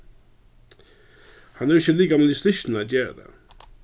hann hevur ikki likamligu styrkina at gera tað